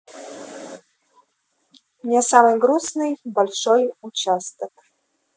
мне самый грустный большой участок